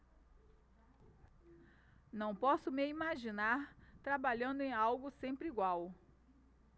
não posso me imaginar trabalhando em algo sempre igual